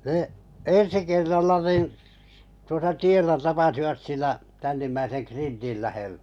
ne ensi kerralla niin tuossa tiellä tapasivat sillä tännimmäisen krintin lähellä